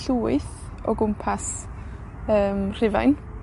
llwyth o gwmpas yym Rhufain.